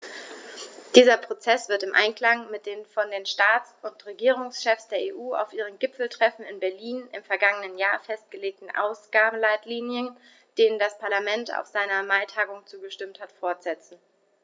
Dieser Prozess wird im Einklang mit den von den Staats- und Regierungschefs der EU auf ihrem Gipfeltreffen in Berlin im vergangenen Jahr festgelegten Ausgabenleitlinien, denen das Parlament auf seiner Maitagung zugestimmt hat, fortgesetzt.